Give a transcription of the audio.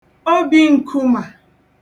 obi nkumà